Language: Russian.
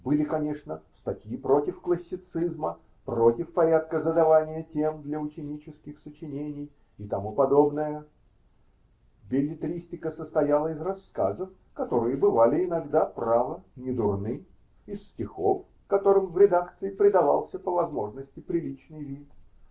Были, конечно, статьи против классицизма, против порядка задавания тем для ученических сочинений и т.п. Беллетристика состояла из рассказов, которые бывали иногда, право, недурны, из стихов, которым в редакции придавался по возможности приличный вид